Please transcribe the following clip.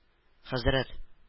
Хәзрәт